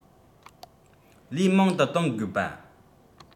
ལས མང དུ གཏོང དགོས པ